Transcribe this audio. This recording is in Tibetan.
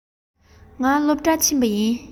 ང སློབ གྲྭར ཕྱིན པ ཡིན